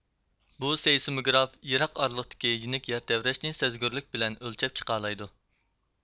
بۇ سېيسموگراف يىراق ئارىلىقتىكى يىنىك يەر تەۋرەشنى سەزگۈرلۈك بىلەن ئۆلچەپ چىقالايدۇ